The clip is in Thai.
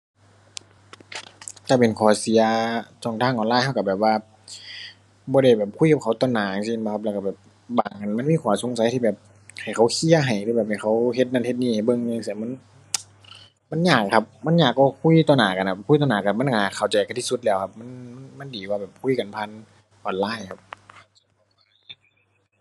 ถ้าเป็นข้อเสียช่องทางออนไลน์เราเราแบบว่า บ่ได้แบบคุยกับเขาต่อหน้าจั่งซี้แม่นบ่ครับ แล้วเราแบบบางอันมันมีข้อสงสัยที่แบบ ให้เค้าเคลียร์ให้หรือแบบให้เขาเฮ็ดนั่นเฮ็ดนี่ให้เบิ่งจั่งซี้มัน มันยากอะครับ มันยากกว่าคุยต่อหน้ากันอะครับ คุยต่อหน้ามันน่าจะเข้าใจกันที่สุดแล้ว มัน มัน มันดีกว่าแบบคุยกันผ่านออนไลน์ครับ